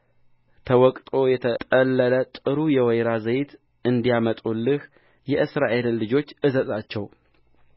ተወቅጦ የተጠለለ ጥሩ የወይራ ዘይት እንዲያመጡልህ የእስራኤልን ልጆች እዘዛቸው